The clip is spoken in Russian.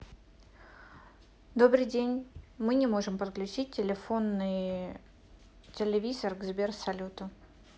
добрый день не можем подключить телефоной телевизор к сбер салюту